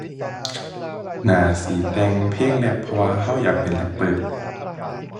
น่าสิแต่งเพลงแรปเพราะว่าเราอยากเป็นแรปเปอร์